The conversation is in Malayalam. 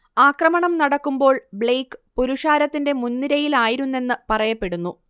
ആക്രമണം നടക്കുമ്പോൾ ബ്ലെയ്ക്ക് പുരുഷാരത്തിന്റെ മുൻനിരയിലായിരുന്നെന്ന് പറയപ്പെടുന്നു